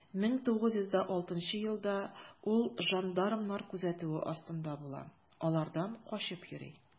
1906 елда ул жандармнар күзәтүе астында була, алардан качып йөри.